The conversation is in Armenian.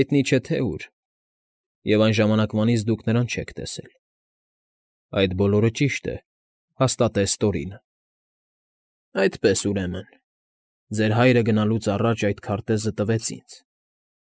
Հայտնի չէ թե ուր, և այն ժամանակվանից դուք նրան չեք տեսել… ֊ Այդ բոլորը ճիշտ է,֊ հաստատեց Տորինը։ ֊ Այդպես, ուրեմն, ձեր հայրը գնալուց առաջ այդ քարտեզը տվեց ինձ և։